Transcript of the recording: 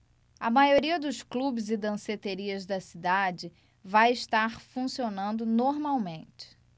a maioria dos clubes e danceterias da cidade vai estar funcionando normalmente